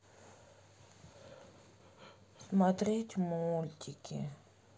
смотреть мультики